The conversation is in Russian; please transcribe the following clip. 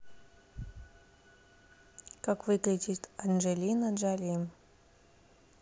как выглядит анджелина джоли